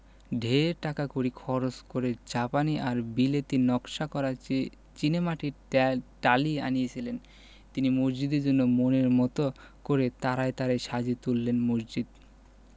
ঢের টাকাকড়ি খরচ করে জাপানি আর বিলেতী নকশা করা চীনেমাটির টালি আনিয়েছিলেন তিনি মসজিদের জন্যে মনের মতো করে তারায় তারায় সাজিয়ে তুললেন মসজিদ